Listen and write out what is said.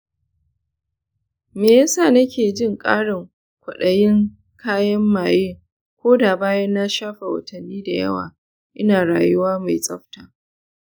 me ya sa nake jin ƙarin kwaɗayin kayan maye ko da bayan na shafe watanni da yawa ina rayuwa mai tsafta?